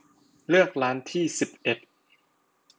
เลือกร้านที่สิบเอ็ด